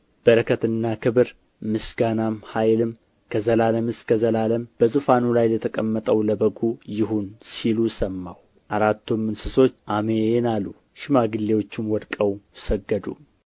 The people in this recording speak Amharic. በረከትና ክብር ምስጋናም ኃይልም ከዘላለም እስከ ዘላለም በዙፋኑ ላይ ለተቀመጠው ለበጉም ይሁን ሲሉ ሰማሁ አራቱም እንስሶች አሜን አሉ ሽማግሌዎቹም ወድቀው ሰገዱ